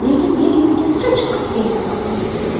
lekin yer yuziga sira chiqqisi kelmas ekan